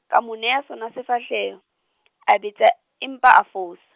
ka mo neha sona sefahleho , a betsa empa a fosa.